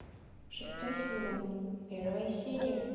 шестой сезон первая серия